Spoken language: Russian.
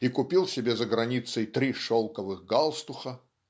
и купил себе за границей три шелковых галстука)